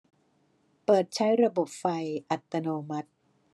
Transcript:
เปิดใช้ระบบไฟอัตโนมัติ